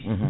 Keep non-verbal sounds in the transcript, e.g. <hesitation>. <hesitation> <hesitation>